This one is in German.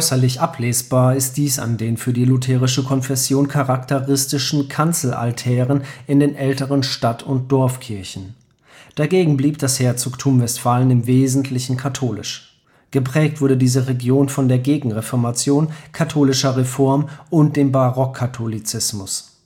Äußerlich ablesbar ist dies an den für die lutherische Konfession charakteristischen Kanzelaltären in den älteren Stadt - und Dorfkirchen. Dagegen blieb das Herzogtum Westfalen im Wesentlichen katholisch. Geprägt wurde diese Region von der Gegenreformation, katholischer Reform und dem Barockkatholizismus